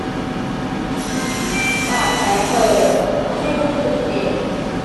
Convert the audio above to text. บาลแผลเปิดทำให้รู้สึกเจ็บ